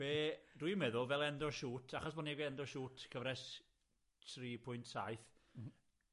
Be- dwi'n meddwl, fel end o shoot, achos bo' ni'n mynd i end o shoot cyfres tri pwynt saith... M-hm.